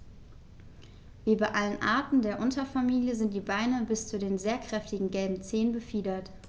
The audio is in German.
Wie bei allen Arten der Unterfamilie sind die Beine bis zu den sehr kräftigen gelben Zehen befiedert.